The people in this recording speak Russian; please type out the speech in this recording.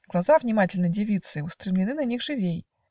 Глаза внимательной девицы Устремлены на них живей.